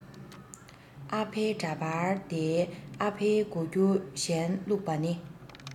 ཨ ཕའི འདྲ པར དེའི ཨ ཕའི གོ རྒྱུ གཞན བླུག པ ནི